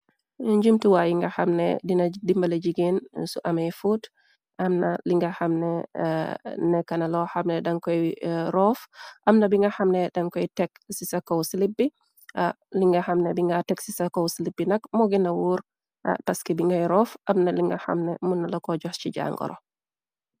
Njimtuwaa yi nga xamne dina dimbale jigeen su amay fuut amna linga xamne ne kana lo xamne dan koy roof amna bi nga xamne dan koy teg ci sa kow slib bi li nga xamne bi nga teg ci sa kow slib bi nag moo gina woor paski bi ngay roof amna linga xamne muna la ko jox ci jangoro.